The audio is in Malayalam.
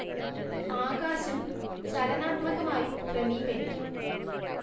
ആകാശം ചലനാത്മകമായും ക്രമീകരിക്കാം